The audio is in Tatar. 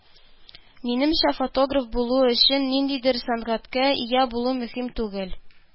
- минемчә, фотограф булу өчен ниндидер сәнгатькә ия булу мөһим түгел